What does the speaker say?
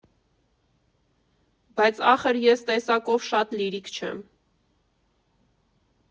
Բայց ախր ես տեսակով շատ լիրիկ չեմ։